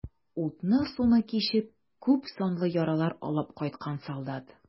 Утны-суны кичеп, күпсанлы яралар алып кайткан солдат.